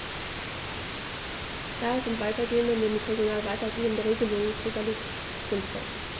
Daher sind weitergehende, nämlich regional weitergehende Regelungen sicherlich sinnvoll.